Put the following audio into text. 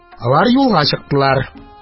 Алар юлга чыктылар.